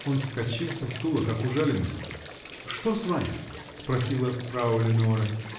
Он вскочил со стула, как ужаленный. -- Что с вами? -- спросила фрау Леноре.